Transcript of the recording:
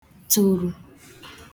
tòrù